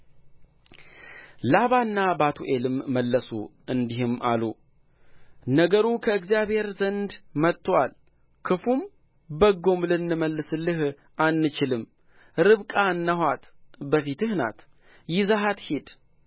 ላባና ባቱኤልም መለሱ እንዲህም አሉ ነገሩ ከእግዚአብሔር ዘንድ መጥቶአል ክፉም በጎም ልንመልስልህ አንችልም ርብቃ እንኋት በፊትህ ናት ይዘሃት ሂድ